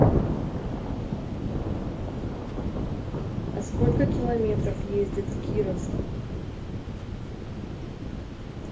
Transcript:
а сколько километров ездят в кировск